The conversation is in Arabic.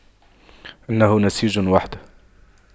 إنه نسيج وحده